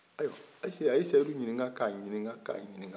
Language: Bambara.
ayi ayise a ye seyidu ɲininka ka ɲininka